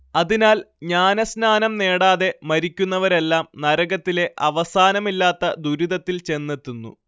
അതിനാൽ ജ്ഞാനസ്നാനം നേടാതെ മരിക്കുന്നവരെല്ലാം നരകത്തിലെ അവസാനമില്ലാത്ത ദുരിതത്തിൽ ചെന്നെത്തുന്നു